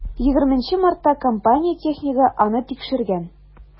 20 мартта компания технигы аны тикшергән.